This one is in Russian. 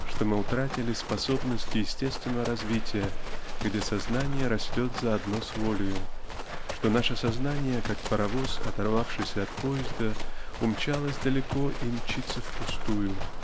что мы утратили способность естественного развития где сознание растет заодно с волею что наше сознание как паровоз оторвавшийся от поезда умчалось далеко и мчится впустую